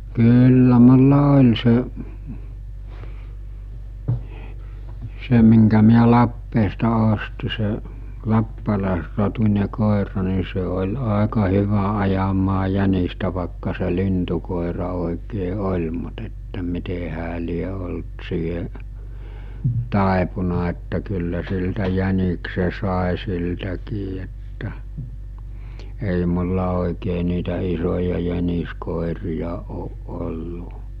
kyllä minulla oli se se minkä minä Lappeesta ostin se lappalaisrotuinen koira niin se oli aika hyvä ajamaan jänistä vaikka se lintukoira oikein oli mutta että miten hän lie ollut siihen taipunut että kyllä siltä jäniksen sai siltäkin että ei minulla oikein niitä isoja jäniskoiria ole ollut